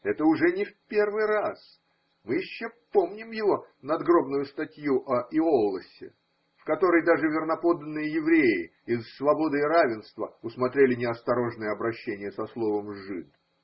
Это уже не в первый раз: Мы еще помним его надгробную статью о Иоллосе, в которой даже верноподданные евреи из Свободы и Равенства усмотрели неосторожное обращение со словом жид.